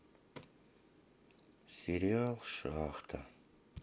сериал шахта